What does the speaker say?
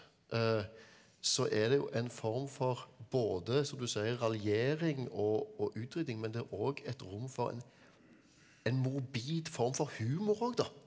så er det jo en form for både som du sier raljering og og utrydding, men det er òg et rom for en en morbid form for humor og da.